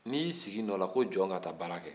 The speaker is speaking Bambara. n'i y'i sigi i nɔ na ko jɔn ka taa baara kɛ